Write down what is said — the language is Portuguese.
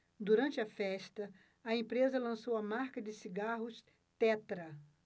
durante a festa a empresa lançou a marca de cigarros tetra